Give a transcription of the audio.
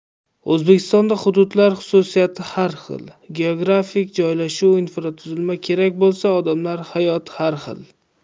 o'zbekistonda hududlar xususiyati har xil geografik joylashuv infratuzilma kerak bo'lsa odamlar hayot har xil